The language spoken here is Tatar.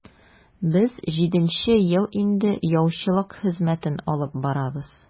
Без җиденче ел инде яучылык хезмәтен алып барабыз.